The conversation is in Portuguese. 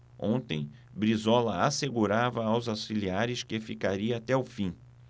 ontem brizola assegurava aos auxiliares que ficaria até o fim